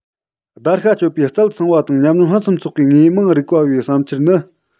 བརྡར ཤ གཅོད པའི རྩལ ཚང བ དང ཉམས མྱོང ཕུན སུམ ཚོགས པའི དངོས མང རིག པ བའི བསམ འཆར ནི